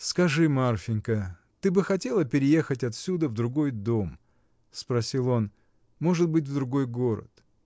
— Скажи, Марфинька, ты бы хотела переехать отсюда в другой дом, — спросил он, — может быть, в другой город?